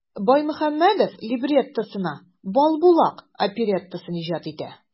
Баймөхәммәдев либреттосына "Балбулак" опереттасын иҗат итә.